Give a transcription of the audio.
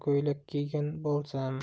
ko'ylak kiygan bo'lsam